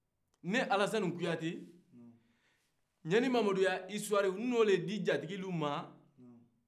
ɲanimamadu y'a isituwari n n'o le di jatigiw ma ayi k'o lamɛn